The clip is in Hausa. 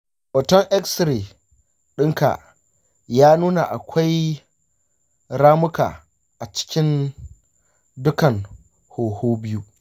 hoton x-ray ɗinka ya nuna akwai ramuka a cikin dukkan huhu biyu.